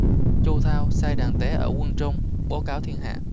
chu thao xây đàn tế ở quân trung bố cáo thiên hạ